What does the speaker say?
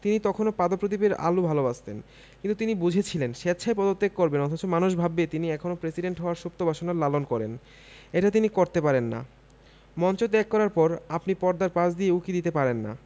তিনি তখনো পাদপ্রদীপের আলো ভালোবাসতেন কিন্তু তিনি বুঝেছিলেন স্বেচ্ছায় পদত্যাগ করবেন অথচ মানুষ ভাববে তিনি এখনো প্রেসিডেন্ট হওয়ার সুপ্ত বাসনা লালন করেন এটা তিনি করতে পারেন না